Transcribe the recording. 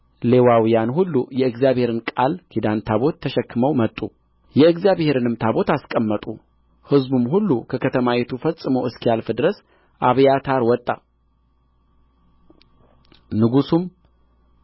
ሌዋውያን ሁሉ የእግዚአብሔርን ቃል ኪዳን ታቦት ተሸክመው መጡ የእግዚአብሔርንም ታቦት አስቀመጡ ሕዝቡም ሁሉ ከከተማይቱ ፈጽሞ እስኪያልፍ ድረስ አብያታር ወጣ ንጉሡም